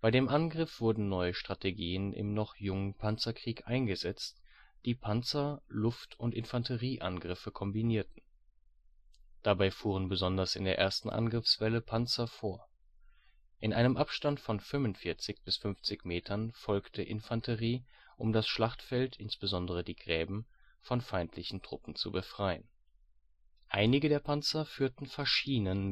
dem Angriff wurden neue Strategien im noch jungen Panzerkrieg eingesetzt, die Panzer -, Luft - und Infanterie-Angriffe kombinierten. Dabei fuhren besonders in der ersten Angriffswelle Panzer vor. In einem Abstand von 45-50 Metern folgte Infanterie, um das Schlachtfeld, insbesondere die Gräben, von feindlichen Truppen zu befreien. Einige der Panzer führten Faschinen